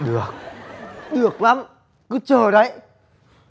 được được lắm cứ chờ đấy